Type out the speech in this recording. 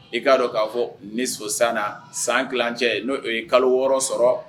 I k'a dɔn k'a fɔ me so sanna san tilancɛ, n'o ye kalo 6 sɔrɔ.